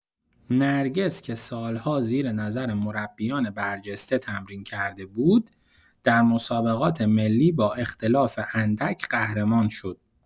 نرگس که سال‌ها زیر نظر مربیان برجسته تمرین کرده بود، در مسابقات ملی با اختلاف اندک قهرمان شد.